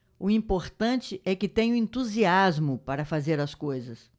o importante é que tenho entusiasmo para fazer as coisas